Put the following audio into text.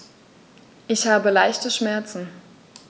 Ich habe leichte Schmerzen.